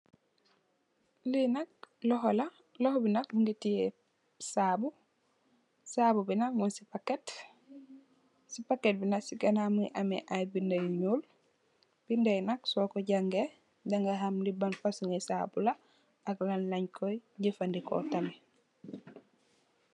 Lii nak lokhor la, lokhor bii nak mungy tiyeh saabu, saabu bii nak mung cii packet, cii packet bii nak cii ganaw mungy ameh aiiy binda yu njull, binda yii nak sor kor jangeh danga ham lii ban fasoni saabu la ak lan langh koi jeufandehkor tamit.